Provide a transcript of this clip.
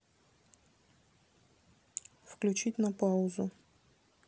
включить на паузу